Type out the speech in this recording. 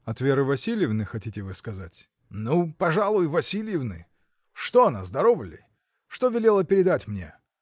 — От Веры Васильевны, хотите вы сказать? — Ну, пожалуй, Васильевны. Что она, здорова ли? что велела передать мне?.